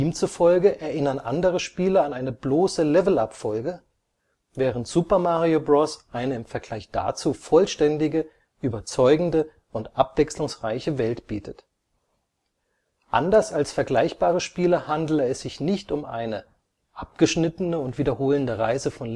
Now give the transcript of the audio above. zufolge erinnern andere Spiele an eine bloße Levelabfolge, während Super Mario Bros. eine im Vergleich dazu vollständige, überzeugende und abwechslungsreiche Welt bietet. Anders als vergleichbare Spiele handele es sich nicht um eine „ abgeschnittene und wiederholende Reise von